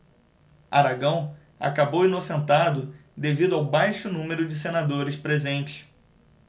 aragão acabou inocentado devido ao baixo número de senadores presentes